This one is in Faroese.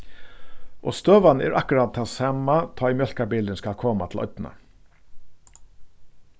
og støðan er akkurát tann sama tá ið mjólkarbilurin skal koma til oynna